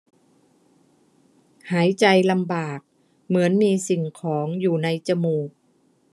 หายใจลำบากเหมือนมีสิ่งของอยู่ในจมูก